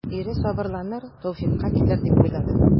Ире сабырланыр, тәүфыйкка килер дип уйлады.